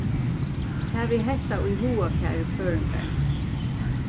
havið hetta í huga kæru føroyingar